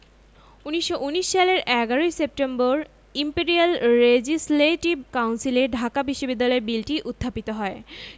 ১৯১৯ সালের ১১ September imperial legislative কাউন্সিলে ঢাকা বিশ্ববিদ্যালয় বিলটি উত্থাপিত হয়